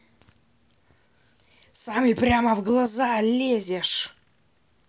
сами прямо в глаз лезешь